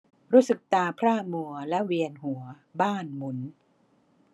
รู้สึกตาพร่ามัวและเวียนหัวบ้านหมุน